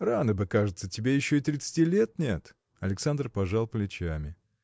Рано бы, кажется: тебе еще и тридцати лет нет. Александр пожал плечами.